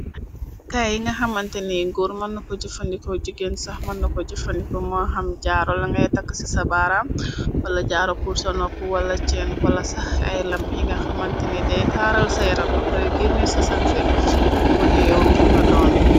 kay yi nga xamante ni gór mënna ko jëfandiko jigeen sax mën na ko jëfandiko mo xam jaru a ngay tag ci sa baram wala jaru pursa noppu wala cèèn wala sax ay lam yi nga xamante ni dey taaral sa yaram ba paré gerne sa sanse di wane yaw ki nga doon.